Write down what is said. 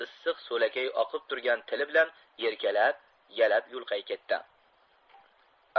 issiq so'lakayi oqib turgan tili bilan erkalab yalab yulqay ketdi